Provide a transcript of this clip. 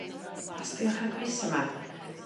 A sbïwch ar y coese 'ma.